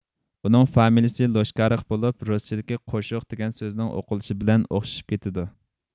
ئۇنىڭ فامىلىسى لوشكارېغ بولۇپ رۇسچىدىكى قوشۇق دېگەن سۆزنىڭ ئوقۇلۇشى بىلەن ئوخشىشىپ كېتىدۇ